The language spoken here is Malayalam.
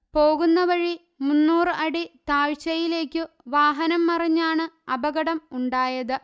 പോകുന്ന വഴി മൂന്നൂറ് അടി താഴ്ചയിലേക്കു വാഹനം മറിഞ്ഞാണ് അപകടം ഉണ്ടായത്